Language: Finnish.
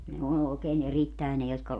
ne on oikein erittäin ne jotka